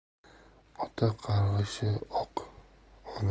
ota qarg'ishi o'q